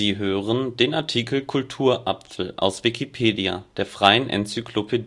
hören den Artikel Kulturapfel, aus Wikipedia, der freien Enzyklopädie